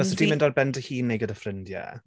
Fyse ti'n mynd ar ben dy hun neu gyda ffrindiau?